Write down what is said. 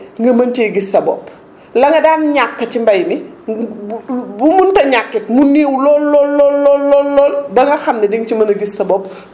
la nga daan ñàkk ci mbay mi bu mënta ñàkk it mu néew lool lool lool lool lool lool ba nga xam ne di nga ci mën a gis sa bopp dund ci dundal ci sa sa njaboot